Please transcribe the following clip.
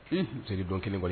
Un nse seli dɔn kelen kɔni